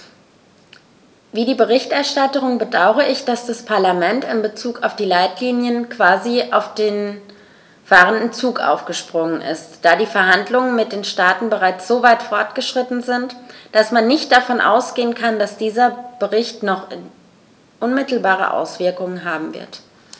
Wie die Berichterstatterin bedaure ich, dass das Parlament in bezug auf die Leitlinien quasi auf den fahrenden Zug aufgesprungen ist, da die Verhandlungen mit den Staaten bereits so weit fortgeschritten sind, dass man nicht davon ausgehen kann, dass dieser Bericht noch unmittelbare Auswirkungen haben wird.